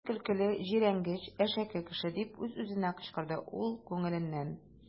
Син көлкеле, җирәнгеч, әшәке кеше! - дип үз-үзенә кычкырды ул күңеленнән.